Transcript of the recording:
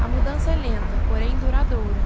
a mudança é lenta porém duradoura